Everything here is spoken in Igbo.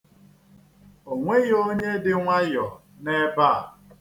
O nweghị onye dị nwayọ n'ebe a.